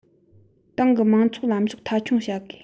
ཏང གི མང ཚོགས ལམ ཕྱོགས མཐའ འཁྱོངས བྱ དགོས